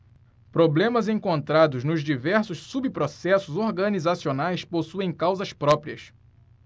problemas encontrados nos diversos subprocessos organizacionais possuem causas próprias